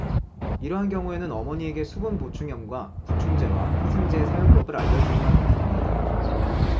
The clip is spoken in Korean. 이러한 경우에는 어머니에게 수분 보충염과 구충제와 항생제의 사용법을 알려 주기만 하면 됩니다